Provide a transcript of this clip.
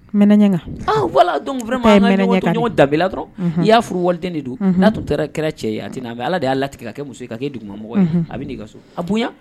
M ɲɛka don ka ɲɔgɔn dabilala dɔrɔn n y'a furu warit de don n'a tun taara kɛlɛ cɛ a ten' ala y'a latigɛ ka kɛ muso ka kɛ dugumɔgɔ a bɛ'i ka so a bonya